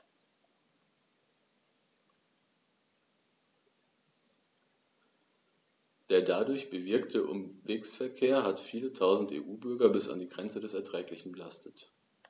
Der dadurch bewirkte Umwegsverkehr hat viele Tausend EU-Bürger bis an die Grenze des Erträglichen belastet.